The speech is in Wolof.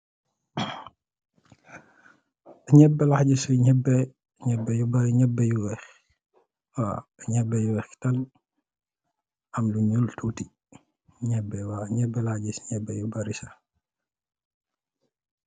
Ñebeh la gis fi, ñebeh yu barri, ñebeh yu wèèx tal am tutti lu ñuul.